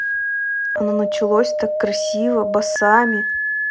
оно начиналось так красива басами